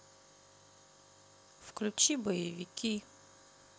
включи боевики